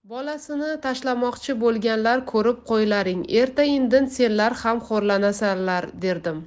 bolasini tashlamoqchi bo'lganlar ko'rib qo'ylaring erta indin senlar ham xorlanasanlar derdim